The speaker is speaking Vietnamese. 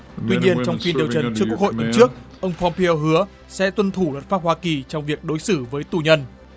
tuy nhiên trong phiên điều trần trước quốc hội tuần trước ông pom peo hứa sẽ tuân thủ luật pháp hoa kỳ trong việc đối xử với tù nhân